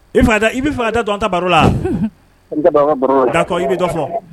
I i bɛ faga da dɔn ta baro lakɔ i bɛ dɔn fɔ